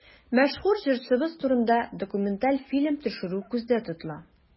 Мәшһүр җырчыбыз турында документаль фильм төшерү күздә тотыла.